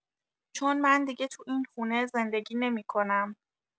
چون من دیگه تو این خونه زندگی نمی‌کنم.